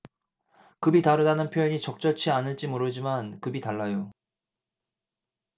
급이 다르다는 표현이 적절치 않을지 모르지만 급이 달라요